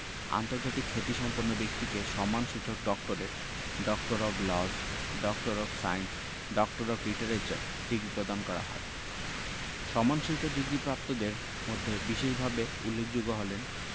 আন্তর্জাতিক খ্যাতিসম্পন্ন ব্যক্তিকে সম্মানসূচক doctorate doctor of laws doctor of science doctor of literature degree প্রদান করা হয় সম্মানসূচক ডিগ্রিপ্রাপ্তদের মধ্যে বিশেষভাবে উল্লেখযোগ্য হলেন